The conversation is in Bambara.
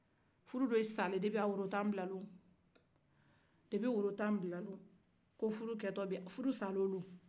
furu dɔw salen don a woro tan bila don